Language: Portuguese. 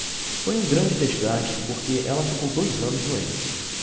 foi um grande desgaste porque ela ficou dois anos doente